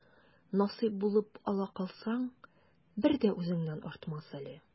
Насыйп булып ала калсаң, бер дә үзеңнән артмас әле.